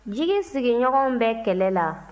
jigi sigiɲɔgɔnw bɛ kɛlɛ la